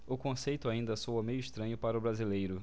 o conceito ainda soa meio estranho para o brasileiro